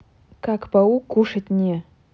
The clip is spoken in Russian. как паук кушать не